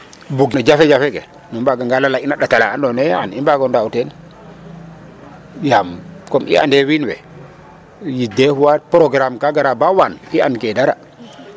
Bug no jafejafe ke nu mbaga nga'ale'anga ina ƭat ale andoona ye xar i mbaago ndaaw teen yaam comme i ande wiin we dés fois programme ka gara ba waan i andkee ten dara.